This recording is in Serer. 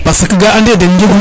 parce que a ande den njegun